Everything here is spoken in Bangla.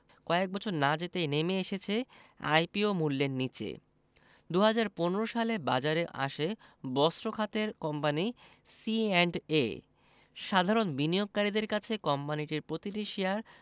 কয়েক বছর না যেতেই নেমে এসেছে আইপিও মূল্যের নিচে ২০১৫ সালে বাজারে আসে বস্ত্র খাতের কোম্পানি সিঅ্যান্ডএ সাধারণ বিনিয়োগকারীদের কাছে কোম্পানিটি প্রতিটি শেয়ার